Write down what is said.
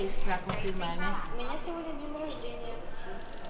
у меня сегодня день рождения